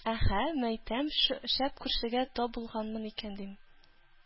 Әһә, мәйтәм, шәп күршегә тап булганмын икән, дим.